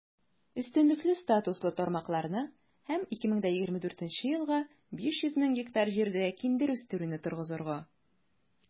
Өстенлекле статуслы тармакларны һәм 2024 елга 500 мең гектар җирдә киндер үстерүне торгызырга.